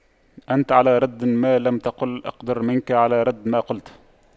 أنت على رد ما لم تقل أقدر منك على رد ما قلت